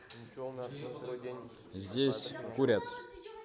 здесь курят